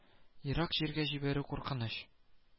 Ерак җиргә җибәрү куркыныч